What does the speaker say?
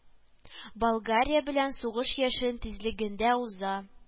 Болгария белән сугыш яшен тизлегендә уза